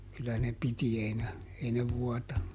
kyllä ne piti ei ne ei ne vuotanut